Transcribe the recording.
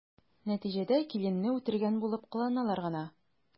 Нәтиҗәдә киленне үтергән булып кыланалар гына.